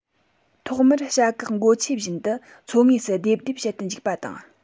ཐོག མར བྱ གག མགོ ཆེ བཞིན དུ མཚོ ངོས སུ རྡེབ རྡེབ བྱེད དུ འཇུག པ དང